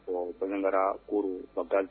Ɔ bamanankara koro ban